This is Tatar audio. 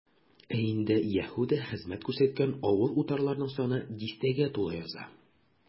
Ә инде Яһүдә хезмәт күрсәткән авыл-утарларның саны дистәгә тула яза.